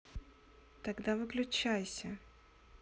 тогда выключайся